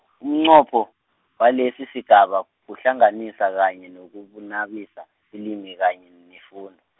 umnqopho, walesisigaba, kuhlanganisa, kanye nokubunabisa, ilimi kanye nefundo.